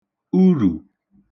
urù